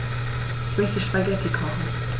Ich möchte Spaghetti kochen.